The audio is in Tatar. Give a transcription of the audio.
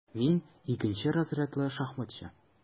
Мин - икенче разрядлы шахматчы.